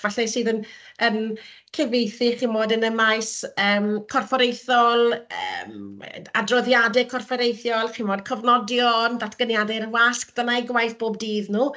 falle sydd yn yn cyfieithu chimod yn y maes yym corfforaethol, yym adroddiadau corfforaethol, chimod cofnodion, datganiadau i'r wasg, dyna eu gwaith bob dydd nhw.